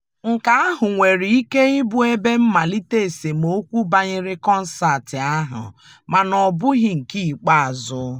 Nke ahụ nwere ike ịbụ ebe mmalite esemokwu banyere kọnseetị ahụ, mana ọ bụghị nke ikpeazụ.